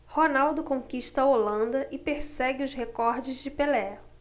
ronaldo conquista a holanda e persegue os recordes de pelé